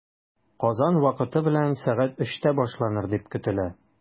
Казан вакыты белән сәгать өчтә башланыр дип көтелә.